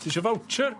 Tisio voucher?